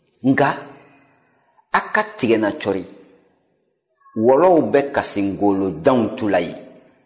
nka a ka tigɛ-n-na cɔri wɔlɔw bɛ kasi ngalajɔw tu la ye